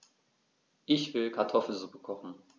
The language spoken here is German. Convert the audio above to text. Ich will Kartoffelsuppe kochen.